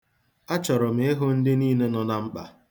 Achọrọ m ịhụ ndị niile nọ na mkpa.